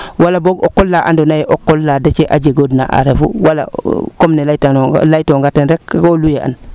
wala boog o qol la andaoo naye o qol la Déthié a jegood na a refu wala comme ne lay ta noonga ley toonga ten rek ko loyer an